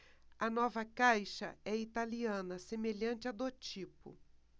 a nova caixa é italiana semelhante à do tipo